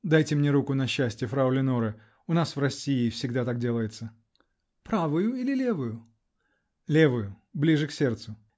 Дайте мне руку на счастье, фрау Леноре, -- у нас в России всегда так делается. -- Правую или левую? -- Левую -- ближе к сердцу.